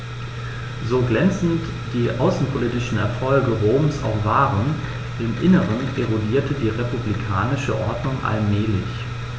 So glänzend die außenpolitischen Erfolge Roms auch waren: Im Inneren erodierte die republikanische Ordnung allmählich.